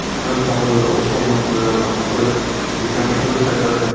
ta'lim sohasida o'quv muassasalarini qurish rekonstruksiya qilish